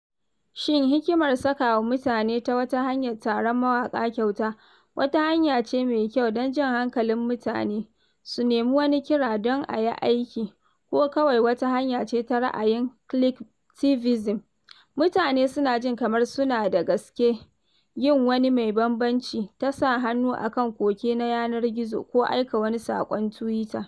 Shin hikimar saka wa mutane ta wata hanyar taron mawaƙa kyauta wata hanya ce mai kyau don jan hankalin mutane su nemi wani kira don a yi aiki, ko kawai wata hanya ce ta ra'ayin "clicktivism" - mutane suna jin kamar suna da gaske yin wani mai bambanci ta sa hannu a kan koke na yanar gizo ko aika wani saƙon Twitter?